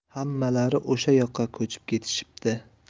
hammalari o'sha yoqqa ko'chib ketishibdi